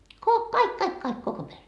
- kaikki kaikki kaikki koko perhe